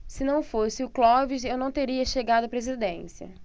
se não fosse o clóvis eu não teria chegado à presidência